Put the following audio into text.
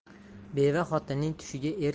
beva xotinning tushiga er